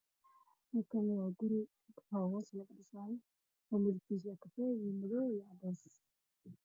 Halkaan waa guri oo hoos laga dhisaayo color kiisu waa kafeey, madaw iyo cadays